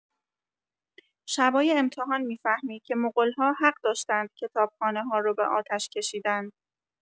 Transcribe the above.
شبای امتحان می‌فهمی که مغول‌ها حق داشتند کتابخانه‌ها رو به آتش کشیدند.